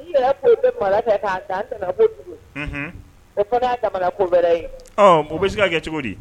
N 'i yɛrɛ ko k'i mara te k'a dan tɛmɛ kojugu, unhun,o fana dama ko wɛrɛ ye ɔ bɛ se ka kɛ cogo di